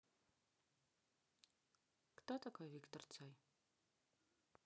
кто такой виктор цой